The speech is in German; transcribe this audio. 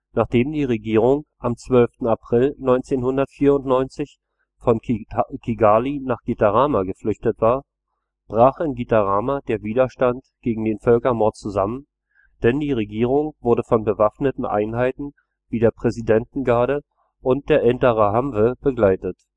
Nachdem die Regierung am 12. April 1994 von Kigali nach Gitarama geflüchtet war, brach in Gitarama der Widerstand gegen den Völkermord zusammen, denn die Regierung wurde von bewaffneten Einheiten wie der Präsidentengarde und der Interahamwe begleitet